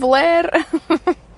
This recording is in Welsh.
flêr!